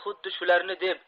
xuddi shularni deb